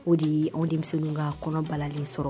O de ye an denmisɛnniw ka kɔnɔbalen sɔrɔ